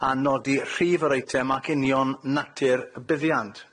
a nodi rhif yr eitem, ac union natur y buddiant.